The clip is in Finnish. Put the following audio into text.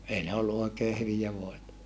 ei ne ollut oikein hyviä voita